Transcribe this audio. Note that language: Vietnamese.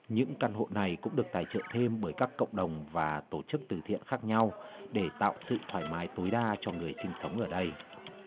những căn hộ này cũng được tài trợ thêm bởi các cộng đồng và tổ chức từ thiện khác nhau để tạo sự thoải mái tối đa cho người sinh sống ở đây